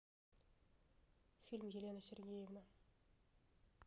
фильм елена сергеевна